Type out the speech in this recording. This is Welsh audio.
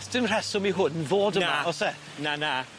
'Os dim rheswm i hwn fod yma... Na. ...o's e? Na na.